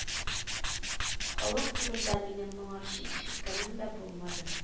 Халык турында минем моңарчы ишеткәнем дә булмады